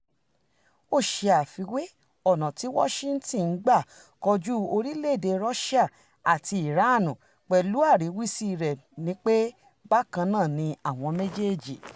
Ó ṣe àfiwé ọ̀nà tí Washington ń gbà kojú orílẹ̀èdè Russia àti Iran pẹ̀lú àríwísí rẹ̀ ni pé bákan náà ni àwọn méjèèjì.